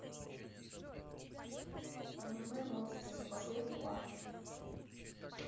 анимэ монстры за последней партой